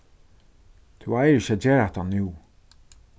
tú eigur ikki at gera hatta nú